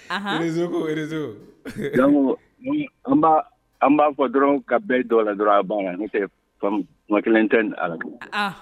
Zz an b'a fɔ dɔrɔn ka bɛɛ dɔ la dɔrɔn a banna la neo kɛma kelen tɛ ni ala